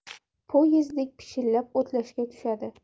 poyezddek pishillab o'tlashga tushadi